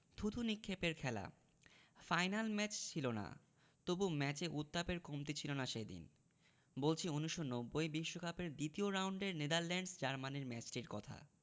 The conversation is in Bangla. থুতু নিক্ষেপের খেলা ফাইনাল ম্যাচ ছিল না তবু ম্যাচে উত্তাপের কমতি ছিল না সেদিন বলছি ১৯৯০ বিশ্বকাপের দ্বিতীয় রাউন্ডের নেদারল্যান্ডস জার্মানি ম্যাচটির কথা